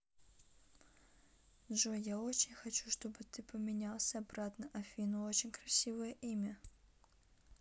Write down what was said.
джой я очень хочу чтобы ты поменялся обратно афину очень красивое имя